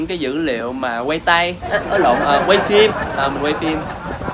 cái dữ liệu mà quay tay ấy lộn quay phim quay phim